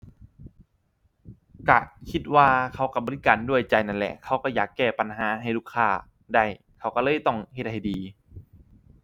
ก็คิดว่าเขาก็บริการด้วยใจนั่นแหละ เขาก็อยากแก้ปัญหาให้ลูกค้าได้ เขาก็เลยต้องเฮ็ดให้ดี